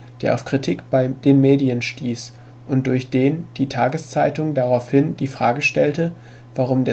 Kritik bei den Medien stieß und durch den die tageszeitung daraufhin die Frage stellte, warum